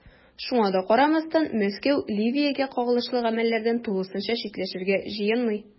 Шуңа да карамастан, Мәскәү Ливиягә кагылышлы гамәлләрдән тулысынча читләшергә җыенмый.